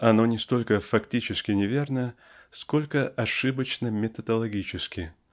Оно не столько фактически неверно, сколько ошибочно методологически.